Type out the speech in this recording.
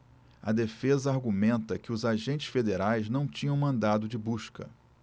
a defesa argumenta que os agentes federais não tinham mandado de busca